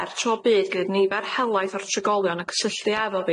er tro bydd gyda nifer helaeth o'r trigolion yn cysylltu efo